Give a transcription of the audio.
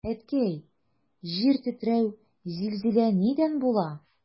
Әткәй, җир тетрәү, зилзилә нидән була?